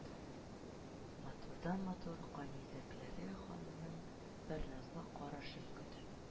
Матурдан-матур кәнизәкләре ханның бер назлы карашын көтеп,